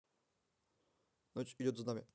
ночь идет за нами